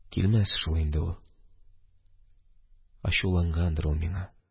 Килмәс шул инде ул, ачулангандыр ул миңа.